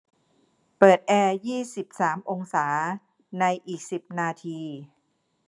เปิดแอร์ยี่สิบสามองศาในอีกสิบนาที